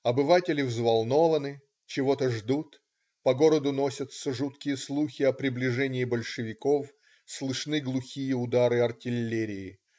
Обыватели взволнованы, чего-то ждут, по городу носятся жуткие слухи о приближении большевиков, слышны глухие удары артиллерии.